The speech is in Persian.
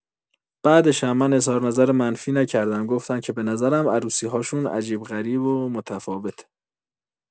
بعدشم من اظهار نظر منفی نکردم گفتم که به نظرم عروسی‌هاشون عجیب غریب و متفاوته!